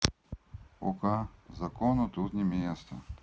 okko закону тут не место